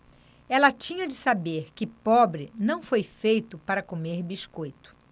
ela tinha de saber que pobre não foi feito para comer biscoito